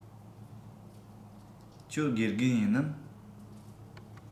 ཁྱོད དགེ རྒན ཡིན ནམ